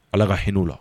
Ala ka hinɛ o la